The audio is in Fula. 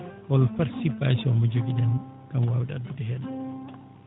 hol participation mo jogiɗen ngam waawde addude heen